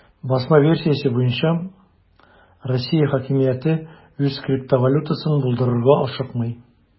Басма версиясе буенча, Россия хакимияте үз криптовалютасын булдырырга ашыкмый.